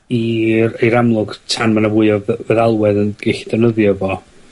i'r i'r amlwg tan ma' 'na fwy o fe- feddalwed yn gellu defnyddio fo.